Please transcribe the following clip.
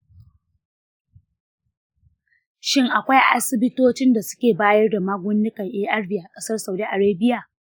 shin akwai asibitocin da suke bayar da magungunan arv a ƙasar saudi arabia?